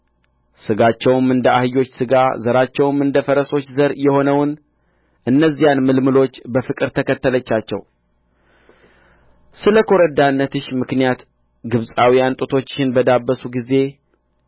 ሥጋቸውም እንደ አህዮች ሥጋ ዘራቸውም እንደ ፈረሶች ዘር የሆነውን እነዚያን ምልምሎች በፍቅር ተከተለቻቸው ስለ ኰረዳነትሽ ምክንያት ግብጻውያን ጡቶችሽን በዳበሱ ጊዜ